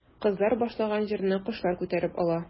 Кызлар башлаган җырны кошлар күтәреп ала.